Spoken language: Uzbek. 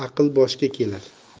aql boshga kelar